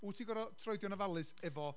Wyt ti'n gorfod troedio'n ofalus efo...